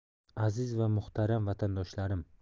aziz va muhtaram vatandoshlarim